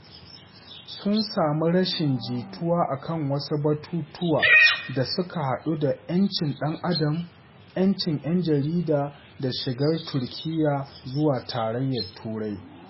Sun sami rashin jituwa a kan wasu batutuwa da suka haɗa da ‘yancin ɗan Adam, ‘yancin ‘yan jarida da shigar Turkiyyar zuwa Tarayyar Turai.